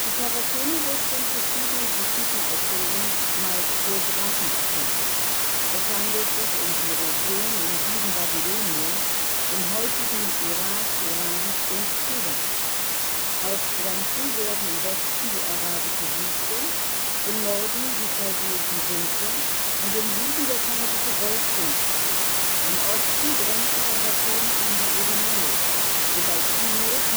Charakene wird von verschiedenen antiken Autoren, meist Geographen, beschrieben. Es handelt sich um die Region im Süden Babyloniens, im heutigen Irak, Iran und Kuwait. Als Grenzen werden im Westen die arabische Wüste, im Norden, die chaldäischen Sümpfe und im Süden der Persische Golf genannt. Im Osten grenzt die Charakene an die Elymais, wobei Plinius